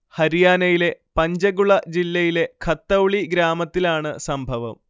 ഹരിയാനയിലെ പഞ്ചഗുള ജില്ലയിലെ ഖത്തൗളി ഗ്രാമത്തിലാണ് സംഭവം